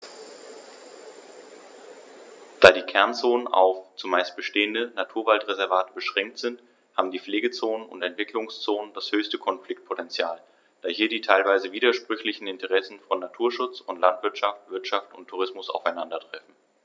Da die Kernzonen auf – zumeist bestehende – Naturwaldreservate beschränkt sind, haben die Pflegezonen und Entwicklungszonen das höchste Konfliktpotential, da hier die teilweise widersprüchlichen Interessen von Naturschutz und Landwirtschaft, Wirtschaft und Tourismus aufeinandertreffen.